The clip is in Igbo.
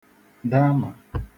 damà